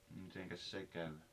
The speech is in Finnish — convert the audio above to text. no mitenkäs se kävi